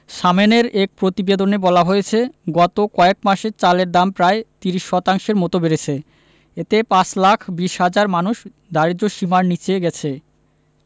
সানেমের এক প্রতিবেদনে বলা হয়েছে গত কয়েক মাসে চালের দাম প্রায় ৩০ শতাংশের মতো বেড়েছে এতে ৫ লাখ ২০ হাজার মানুষ দারিদ্র্যসীমার নিচে গেছে